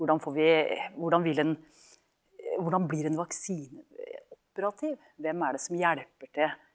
hvordan får vi hvordan vil en hvordan blir en vaksine operativ, hvem er det som hjelper til?